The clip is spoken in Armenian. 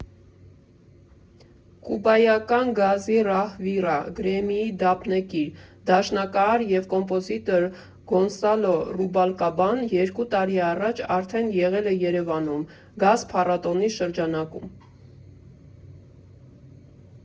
Կուբայական ջազի ռահվիրա, Գրեմմիի դափնեկիր, դաշնակահար և կոմպոզիտոր Գոնսալո Ռուբալկաբան երկու տարի առաջ արդեն եղել է Երևանում՝ ջազ֊փառատոնի շրջանակում։